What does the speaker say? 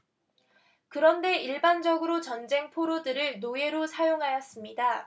그런데 일반적으로 전쟁 포로들을 노예로 사용하였습니다